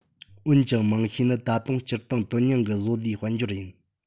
འོན ཀྱང མང ཤས ནི ད དུང སྤྱིར བཏང དོན སྙིང གི བཟོ ལས དཔལ འབྱོར ཡིན